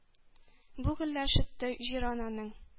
Бу гөлләр шытты җир-ананың